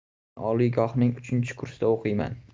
men oliygohning uchinchi kursida o'qiyman